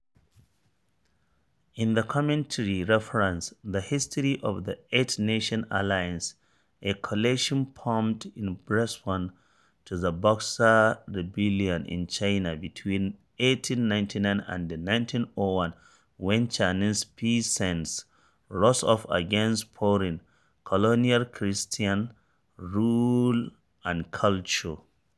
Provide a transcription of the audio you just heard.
The commentary references the history of the Eight-Nation Alliance, a coalition formed in response to the Boxer Rebellion in China between 1899 and 1901 when Chinese peasants rose up against foreign, colonial, Christian rule and culture.